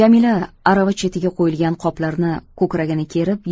jamila arava chetiga qo'yilgan qoplarni ko'kragini kerib